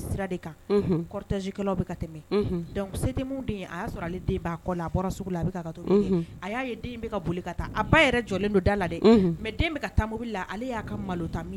Sira de kan. Unhun. A sɔrɔ cortège kɛlaw bɛ ka tɛmɛ. Unhun. donc se tɛ min den ye a y' sɔrɔ ale den b'a kɔ la a bɔra sugu la a bɛ k'a ka tobili kɛ. Unhun. A y'a ye den bɛ ka boli ka taa a ba yɛrɛ jɔlen don da la dɛ! Unhun . Mais bɛ ka taa mɔbili la, ale y'a ka malo ta